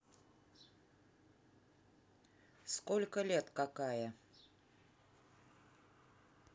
сколько лет какая